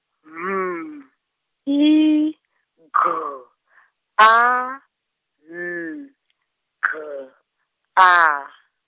M I G A N G A.